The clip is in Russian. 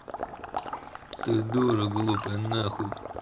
ты дура глупая нахуй